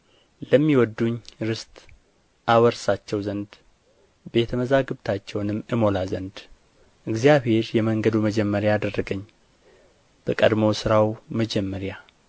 ለሚወድዱኝ ርስት አወርሳቸው ዘንድ ቤተ መዛግብታቸውንም እሞላ ዘንድ እግዚአብሔር የመንገዱ መጀመሪያ አደረገኝ በቀድሞ ሥራው መጀመሪያ